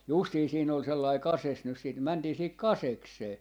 justiin siinä oli sellainen kases nyt sitten mentiin siihen kasekseen